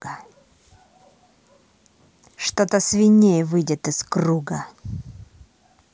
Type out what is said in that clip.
что то свиней выйдет из круга